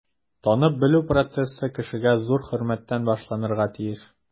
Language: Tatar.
Танып-белү процессы кешегә зур хөрмәттән башланырга тиеш.